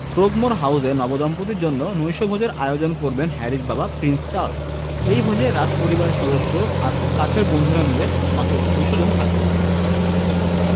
Frogmore হাউসে নবদম্পতির জন্য নৈশভোজের আয়োজন করবেন হ্যারির বাবা প্রিন্স চার্লস এই ভোজে রাজপরিবারের সদস্য আর খুব কাছের বন্ধুরা মিলে মাত্র ২০০ জন থাকতে পারবেন